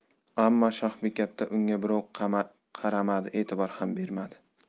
ammo shohbekatda unga birov qaramadi e'tibor ham bermadi